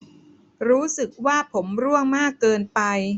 รู้สึกว่าผมร่วงมากเกินไป